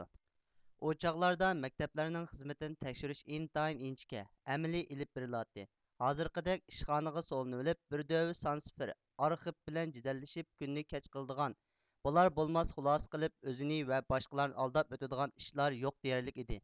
ئۇ چاغلاردا مەكتەپلەرنىڭ خىزمىتىنى تەكشۈرۈش ئىنتايىن ئىنچىكە ئەمەلىي ئېلىپ بېرىلاتتى ھازىرقىدەك ئىشخانىغا سولىنىۋىلىپ بىر دۆۋە سان سىفىر ئارخىپ بىلەن جېدەللىشىپ كۈننى كەچ قىلىدىغان بولا بولماس خۇلاسە قىلىپ ئۆزىنى ۋە باشقىلارنى ئالداپ ئۆتىدىغان ئىشلار يوق دېيەرلىك ئىدى